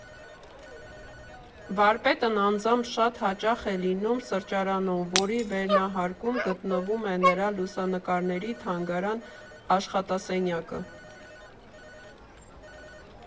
Վարպետն անձամբ շատ հաճախ է լինում սրճարանում, որի վերնահարկում գտնվում է նրա լուսանկարների թանգարան֊աշխատասենյակը։